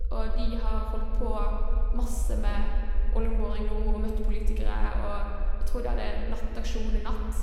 Og de har holdt på masse med oljeboring nå og møtt politikere, og jeg tror de hadde nattaksjon i natt.